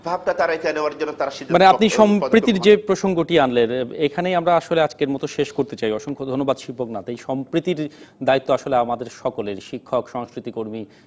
ভাবটা তারা অর্জনের সিদ্ধান্ত ফোন করেছেন মি সম্প্রীতির যে প্রসঙ্গটি আনলেন এখানে আমরা আসলে আজকের মত শেষ করতে চাই অসংখ্য ধন্যবাদ শিপক নাথ এই সম্প্রীতির দায়িত্ব আসলে আমাদের সকলেরই শিক্ষক সংস্কৃতিকর্মী